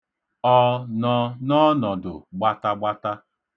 Ọ nọ n'ọnọdụ gbatagbata?